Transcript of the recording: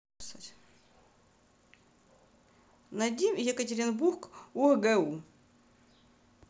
найди екатеринбург ургэу